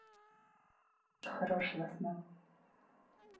тебе тоже хорошего сна